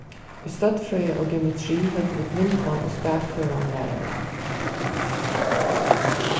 í støddfrøði og geometri høvdu vit mildan og spakføran lærara